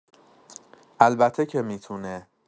البته که می‌تونه.